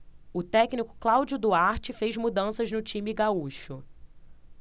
o técnico cláudio duarte fez mudanças no time gaúcho